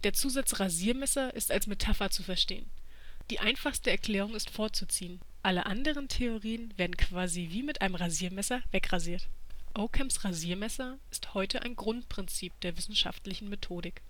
Zusatz Rasiermesser ist als Metapher zu verstehen: Die einfachste Erklärung ist vorzuziehen, alle anderen Theorien werden quasi wie mit einem Rasiermesser wegrasiert. Ockhams Rasiermesser ist heute ein Grundprinzip der wissenschaftlichen Methodik